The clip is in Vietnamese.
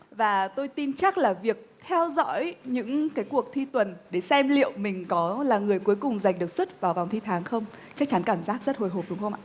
và tôi tin chắc là việc theo dõi những cái cuộc thi tuần để xem liệu mình có là người cuối cùng giành được suất vào vòng thi tháng không chắc chắn cảm giác rất hồi hộp đúng không ạ